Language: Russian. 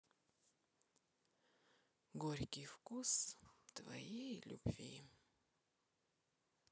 горький вкус твоей любви